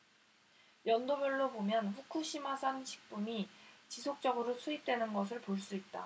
연도별로 보면 후쿠시마산 식품이 지속적으로 수입되는 것을 볼 수 있다